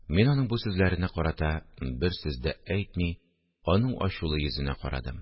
Мин, аның бу сүзләренә карата бер сүз дә әйтми, аның ачулы йөзенә карадым